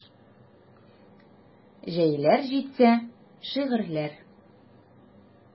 Җәйләр җитсә: шигырьләр.